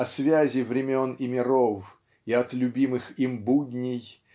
о связи времен и миров и от любимых им будней